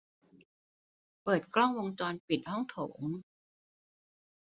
เปิดกล้องวงจรปิดห้องโถง